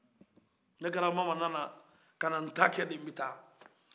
ne grabamama nana kana n ta kɛ de n bɛ taa